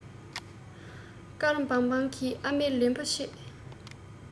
དཀར བང བང གི ཨ མའི ལན བུ ལས ཆད